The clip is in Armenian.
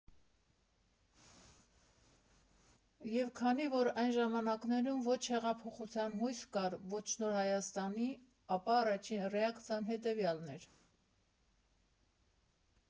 Եվ քանի որ այն ժամանակներում ոչ հեղափոխության հույս կար, ոչ Նոր Հայաստանի, ապա առաջին ռեակցիան հետևյալն էր.